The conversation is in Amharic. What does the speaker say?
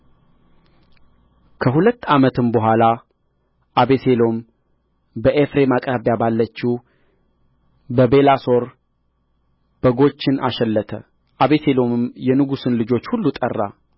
ከሁለት ዓመትም በኋላ አቤሴሎም በኤፍሬም አቅራቢያ ባለችው በቤላሶር በጎቹን አሸለተ አቤሴሎምም የንጉሡን ልጆች ሁሉ ጠራ